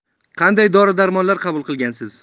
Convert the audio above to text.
qanday dori darmonlar qabul qilgansiz